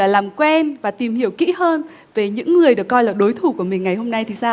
làm quen và tìm hiểu kỹ hơn về những người được coi là đối thủ của mình ngày hôm nay thì sao